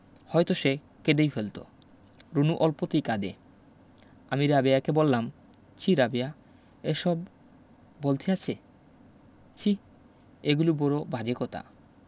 হয়তো সে কেঁদেই ফেলতো রুনু অল্পতেই কাঁদে আমি রাবেয়াকে বললাম ছিঃ রাবেয়া এসব বলতে আছে ছিঃ এগুলু বড় বাজে কথা